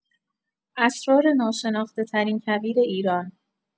اسرار ناشناخته‌ترین کویر ایران